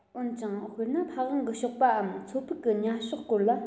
འོན ཀྱང དཔེར ན ཕ ཝང གི གཤོག པའམ མཚོ ཕག གི ཉ གཤོག སྐོར ལ